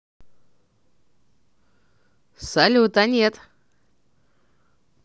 салют а нет